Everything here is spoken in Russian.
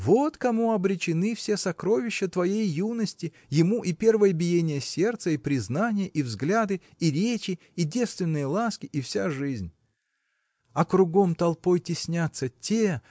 Вот кому обречены все сокровища твоей юности ему и первое биение сердца и признание и взгляды и речи и девственные ласки и вся жизнь. А кругом толпой теснятся те